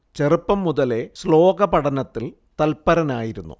ചെറുപ്പം മുതലേ ശ്ലോക പഠനത്തിൽ തൽപരനായിരുന്നു